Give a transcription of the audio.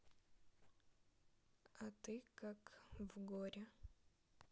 а ты как в горе